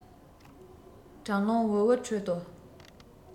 གྲང རླུང འུར འུར ཁྲོད དུ